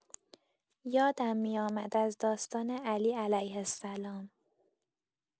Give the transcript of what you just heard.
یادم می‌آمد از داستان علی (ع)